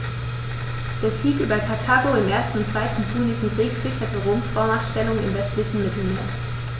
Der Sieg über Karthago im 1. und 2. Punischen Krieg sicherte Roms Vormachtstellung im westlichen Mittelmeer.